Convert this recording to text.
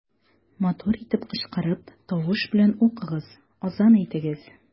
Матур итеп кычкырып, тавыш белән укыгыз, азан әйтегез.